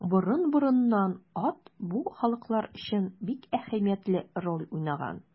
Борын-борыннан ат бу халыклар өчен бик әһәмиятле роль уйнаган.